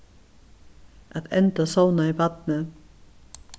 at enda sovnaði barnið